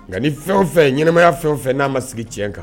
Nka ni fɛn o fɛn ɲɛnaɛnɛmaya fɛn o fɛ n'a ma sigi tiɲɛ kan